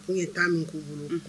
U ye taa min k'u bolo